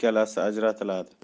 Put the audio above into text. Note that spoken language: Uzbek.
bu ikkalasi ajratiladi